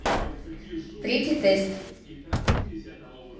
третий тест